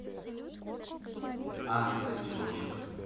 а тестировщик